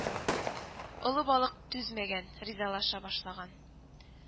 Олы балык түзмәгән, ризалаша башлаган